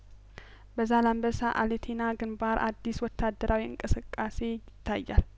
በዛላንበሳ አሊቴና ግንባር አዲስ ወታደራዊ እንቅስቃሴ ይታያል